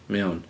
Iawn.